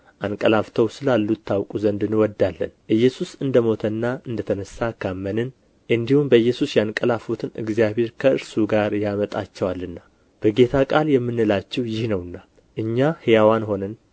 አንቀላፍተው ስላሉቱ ታውቁ ዘንድ እንወዳለን ኢየሱስ እንደ ሞተና እንደ ተነሣ ካመንን እንዲሁም በኢየሱስ ያንቀላፉቱን እግዚአብሔር ከእርሱ ጋር ያመጣቸዋልና በጌታ ቃል የምንላችሁ ይህ ነውና እኛ ሕያዋን ሆነን